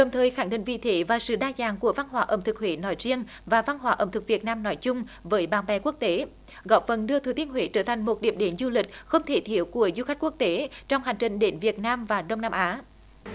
đồng thời khẳng định vị thế và sự đa dạng của văn hóa ẩm thực huế nói riêng và văn hóa ẩm thực việt nam nói chung với bạn bè quốc tế góp phần đưa thừa thiên huế trở thành một điểm đến du lịch không thể thiếu của du khách quốc tế trong hành trình đến việt nam và đông nam á